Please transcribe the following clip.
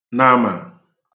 nama